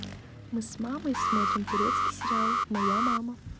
мы с мамой смотрим турецкий сериал моя мама